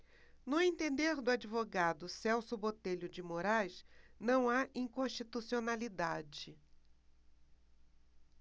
no entender do advogado celso botelho de moraes não há inconstitucionalidade